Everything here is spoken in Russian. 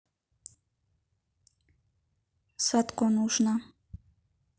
садко нужно